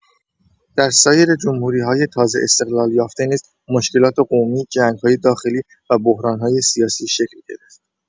در سایر جمهوری‌های تازه استقلال یافته نیز مشکلات قومی، جنگ‌های داخلی و بحران‌های سیاسی شکل گرفت.